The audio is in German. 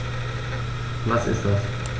Was ist das?